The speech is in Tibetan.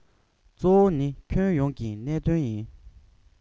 གཙོ བོ ནི ཁྱོན ཡོངས ཀྱི གནད དོན ཡིན